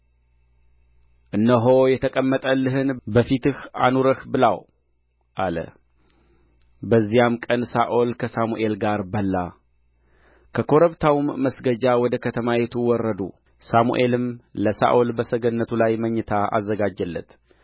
እነሆ የተቀመጠልህን በፊትህ አኑረህ ብላው አለ በዚያም ቀን ሳኦል ከሳሙኤል ጋር በላ ከኮረብታውም መስገጃ ወደ ከተማይቱ ወረዱ ሳሙኤልም ለሳኦል በሰገነቱ ላይ መኝታ አዘጋጀለት